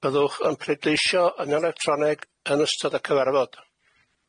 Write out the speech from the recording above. Byddwch yn pleudleisio yn electroneg yn ystod y cyfarfod.